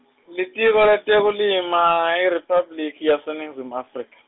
Litiko letekulima IRiphabliki yeNingizimu Afrika.